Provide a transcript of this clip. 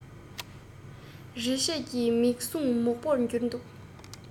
རེ ཆད ཀྱི མིག ཟུང མོག པོར གྱུར འདུག